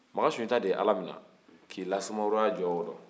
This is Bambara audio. makan sunjata de ye ala minɛ k'a da sumaworo ka jɔ kɔnɔ